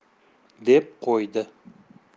deb qo'ydi